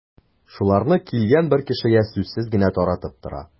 Шуларны килгән бер кешегә сүзсез генә таратып тора.